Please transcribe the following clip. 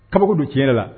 Kabako don tiɲɛ yɛrɛ la